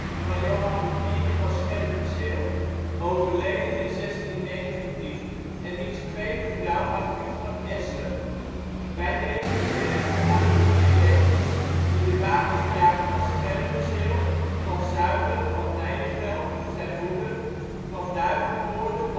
van Johan VI van Scherpenzeel (overleden 1619) en diens tweede vrouw Margriet van Essen. Bij deze zerk behoren vier leeuwtjes die de wapens dragen van Scherpenzeel, van Zuylen van Nijeveld (zijn moeder), van Duyvenvoorde (Wassenaar